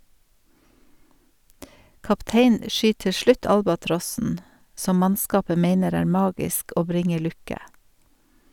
Kapteinen skyt til slutt albatrossen , som mannskapet meiner er magisk og bringer lukke.